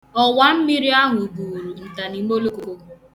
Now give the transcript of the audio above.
Ọwammiri ahụ buru ntaniimoloko.